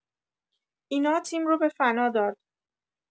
اینا تیم رو به فنا داد.